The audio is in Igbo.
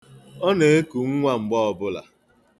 Ọ na-eku nwa mgbe ọbụla.